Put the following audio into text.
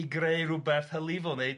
i greu rwbeth hylifol, neu